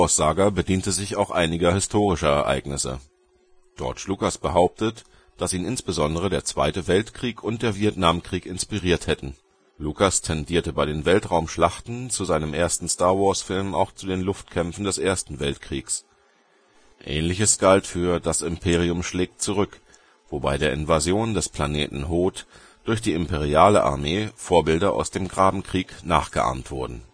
Star-Wars-Saga bediente sich auch einiger historischer Ereignisse. George Lucas behauptet, dass ihn insbesondere der Zweite Weltkrieg und der Vietnamkrieg inspiriert hätten. Lucas tendierte bei den Weltraum-Schlachten zu seinem ersten Star-Wars-Film auch zu den Luftkämpfen des Ersten Weltkriegs. Ähnliches galt für Das Imperium schlägt zurück, wo bei der Invasion des Planeten Hoth durch die imperiale Armee Vorbilder aus dem Grabenkrieg nachgeahmt wurden